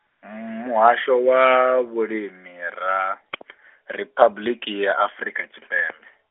Muhasho wa, Vhulimi ra , Riphabuḽiki ya Afrika Tshipembe.